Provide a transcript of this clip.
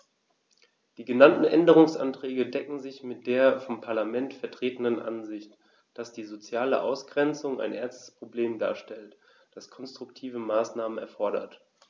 Die genannten Änderungsanträge decken sich mit der vom Parlament vertretenen Ansicht, dass die soziale Ausgrenzung ein ernstes Problem darstellt, das konstruktive Maßnahmen erfordert.